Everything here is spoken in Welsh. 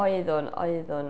Oeddwn, oeddwn.